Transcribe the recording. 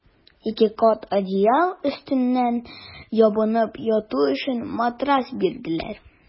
Ике кат одеял өстеннән ябынып яту өчен матрас бирделәр.